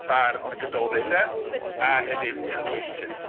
Bardd Y Gododdin de, a hefyd Taliesin.